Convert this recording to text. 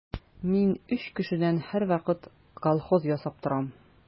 Мин өч кешедән һәрвакыт колхоз ясап торам.